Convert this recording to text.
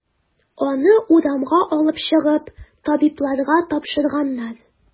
Аны урамга алып чыгып, табибларга тапшырганнар.